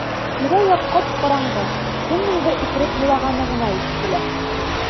Тирә-як кап-караңгы, кемнеңдер үкереп елаганы гына ишетелә.